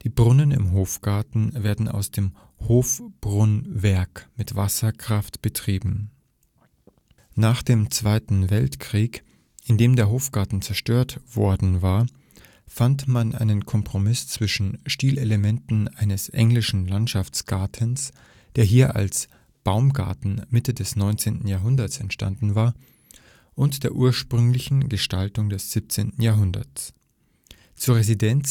Brunnen im Hofgarten werden aus dem Hofbrunnwerk mit Wasserkraft betrieben. Nach dem Zweiten Weltkrieg, in dem der Hofgarten zerstört worden war, fand man einen Kompromiss zwischen Stilelementen eines Englischen Landschaftsgartens, der hier als Baumgarten Mitte des 19. Jahrhunderts entstanden war, und der ursprünglichen Gestaltung des 17. Jahrhunderts. Zur Residenz hin